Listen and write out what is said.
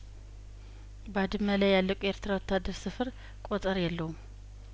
ባድመ ላይ ያለቀው የኤርትራ ወታደር ስፍር ቁጥር የለውም